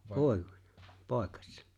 - poikasena